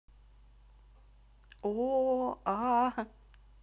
ооо а а а